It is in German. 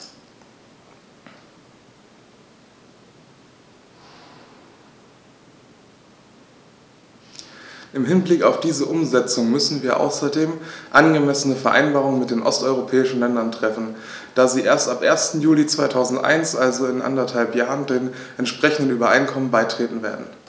Im Hinblick auf diese Umsetzung müssen wir außerdem angemessene Vereinbarungen mit den osteuropäischen Ländern treffen, da sie erst ab 1. Juli 2001, also in anderthalb Jahren, den entsprechenden Übereinkommen beitreten werden.